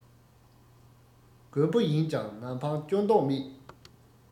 རྒོད པོ ཡིན ཀྱང ནམ འཕང གཅོད མདོག མེད